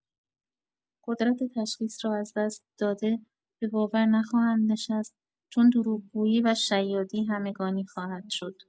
قدرت تشخیص را از دست داده، به باور نخواهند نشست، چون دروغگویی و شیادی همگانی خواهد شد.